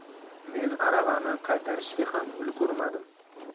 men aravani qaytarishga ham ulgurmadim